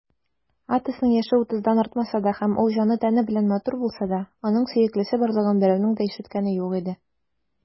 Атосның яше утыздан артмаса да һәм ул җаны-тәне белән матур булса да, аның сөеклесе барлыгын берәүнең дә ишеткәне юк иде.